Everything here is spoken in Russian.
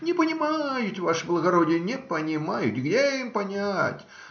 - Не понимают, ваше благородие, не понимают, где им понять!